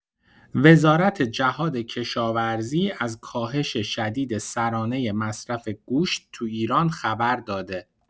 وزارت جهادکشاورزی از کاهش شدید سرانۀ مصرف گوشت تو ایران خبر داده.